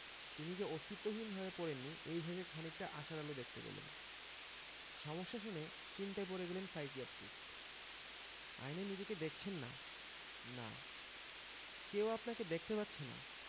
তিনি যে অস্তিত্বহীন হয়ে পড়েননি এই ভেবে খানিকটা আশার আলো দেখতে পেলেন সমস্যা শুনে চিন্তায় পড়ে গেলেন সাইকিয়াট্রিস্ট আয়নায় নিজেকে দেখছেন না না কেউ আপনাকে দেখতে পাচ্ছে না